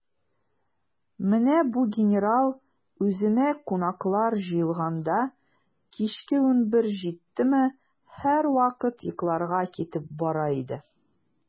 Менә бу генерал, үзенә кунаклар җыелганда, кичке унбер җиттеме, һәрвакыт йокларга китеп бара иде.